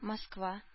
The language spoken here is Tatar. Москва